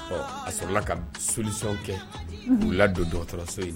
Ɔ a sɔrɔla ka solisaw kɛ b' la don dɔgɔtɔrɔ dɔgɔtɔrɔso yen